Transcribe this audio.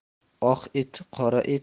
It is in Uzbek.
oq it qora